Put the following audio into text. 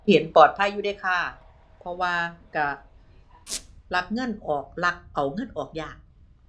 เห็นปลอดภัยอยู่เดะค่ะ เพราะว่าก็ลักเงินออก ลักเอาเงินออกยาก